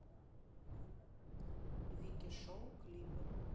вики шоу клипы